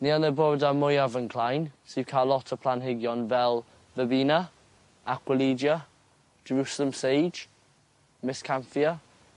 Ni yn y bordar mwyaf yn Clyne sy ca'l lot o planhigion fel Verbena, Aquilegia, Jerusalem Sage, Miscanthia.